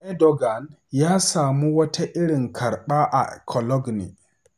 Erdogan ya sami wata irin karɓa a Cologne